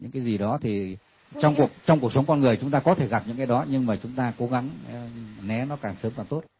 những cái gì đó thì trong cuộc trong cuộc sống con người chúng ta có thể gặp những cái đó nhưng mà chúng ta cố gắng né nó càng sớm càng tốt